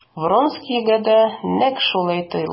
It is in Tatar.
Вронскийга да нәкъ шулай тоелды.